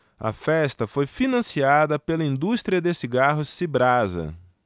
a festa foi financiada pela indústria de cigarros cibrasa